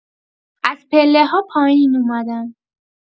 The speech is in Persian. از پله‌ها پایین اومدم